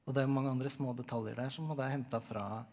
og det er jo mange andre små detaljer der som på en måte er henta fra.